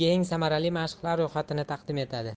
eng samarali mashqlar ro'yxatini taqdim etadi